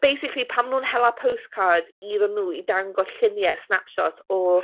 Basically, pan maen nhw'n hela postcard iddyn nhw, i dangos lluniau snapshots o...